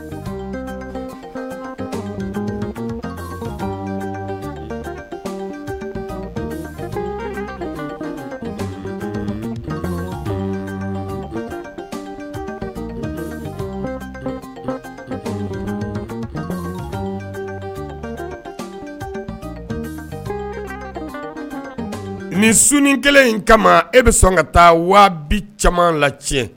San ni sun kelen in kama e bɛ sɔn ka taa waati caman la tiɲɛ